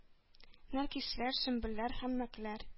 Нәркисләр, сөмбелләр һәм мәкләр